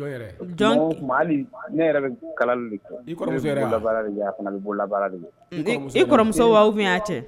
Muso cɛ